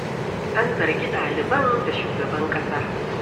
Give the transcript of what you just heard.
An zargi ɗaliban da "shugaban ƙasa."